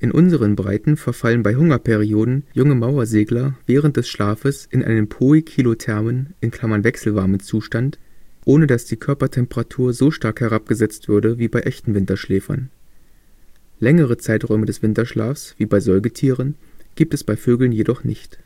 unseren Breiten verfallen bei Hungerperioden junge Mauersegler während des Schlafes in einen poikilothermen (wechselwarmen) Zustand, ohne dass die Körpertemperatur so stark herabgesetzt würde wie bei echten Winterschläfern. Längere Zeiträume des Winterschlafs wie bei Säugetieren gibt es bei Vögeln jedoch nicht